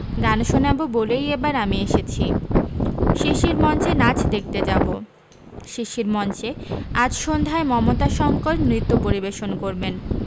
গান শোনাবো বলেই এবার আমি এসেছি শিশির মঞ্চে নাচ দেখতে যাবো শিশির মঞ্চে আজ সন্ধ্যায় মমতা শংকর নৃত্য পরিবেশন করবেন